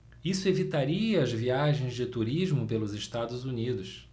isso evitaria as viagens de turismo pelos estados unidos